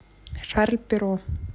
шарль перро